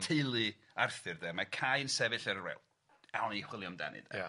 teulu Arthur de, mae Cai'n sefyll ar y we- awn ni chwilio amdani de. Ia.